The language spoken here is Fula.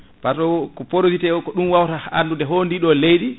par ce que : fra ko porosité ko wawata addue how ndiɗo leydi